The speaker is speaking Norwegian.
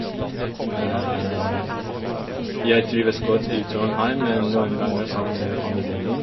Jeg trives godt i Trondheim, men noen ganger savner jeg familien min.